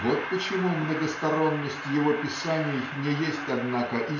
вот почему многосторонность его писаний не есть однако